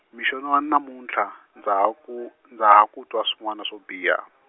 mixo no wa namutlha, ndza ha ku, ndza ha ku twa swin'wana swo biha.